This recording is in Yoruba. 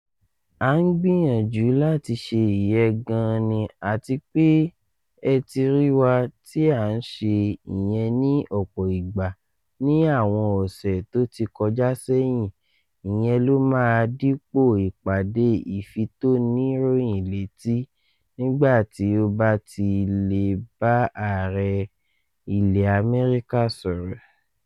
À ń gbìyànjú láti ṣe ìyẹn gan ni àtipé ẹ ti rí wá tí a ń ṣe ìyẹn ní ọ̀pọ̀ ìgbà ní àwọn ọ̀ṣẹ́ tó ti kọjá ṣẹ́hìn. Ìyẹn ló máa dípò ìpàdé ìfitóníròyìnlétí nígbàtí o bá ti le bá ààrẹ ilẹ̀ Amẹ́ríkà sọ̀rọ̀.”